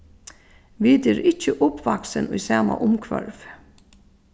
vit eru ikki uppvaksin í sama umhvørvi